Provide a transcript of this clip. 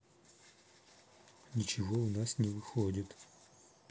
ничего у нас не выходит